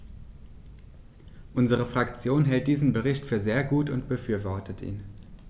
Unsere Fraktion hält diesen Bericht für sehr gut und befürwortet ihn.